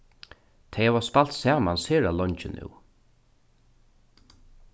tey hava spælt saman sera leingi nú